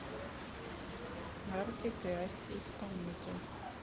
artik и asti исполнитель